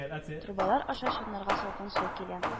Трубалар аша чаннарга салкын су килә